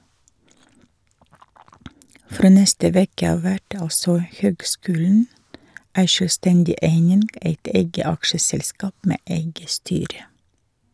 Frå neste veke av vert altså høgskulen ei sjølvstendig eining, eit eige aksjeselskap med eige styre.